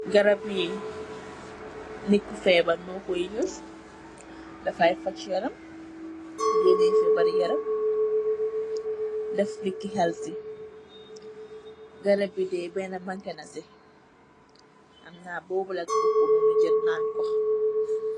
Garab yi nitt ku febar mo koi use dafai faag yaram gene febari yaram def nitt ki healthy garab bi dex bena manki naksi xamna bobu la koku nonu jel naan si.